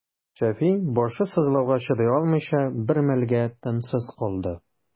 Шәфи, башы сызлауга чыдый алмыйча, бер мәлгә тынсыз калды.